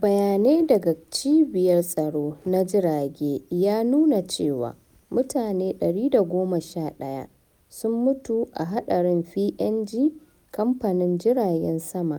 Bayanai daga Cibiyar Tsaro na Jirage ya nuna cewa mutane 111 sun mutu a hadarin PNG-kamfanonin jiragen sama